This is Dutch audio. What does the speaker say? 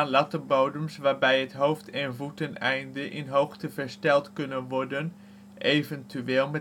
lattenbodems waarbij het hoofd - en voeteneinde in hoogte versteld kunnen worden (eventueel